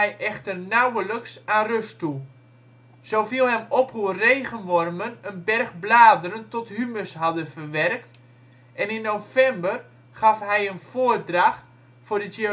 echter nauwelijks aan rust toe. Zo viel hem op hoe regenwormen een berg bladeren tot humus hadden verwerkt, en in november gaf hij een voordracht voor de